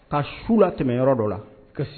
Ka su la tɛmɛyɔrɔ dɔ la ka